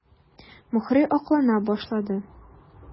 Мухрый аклана башлады.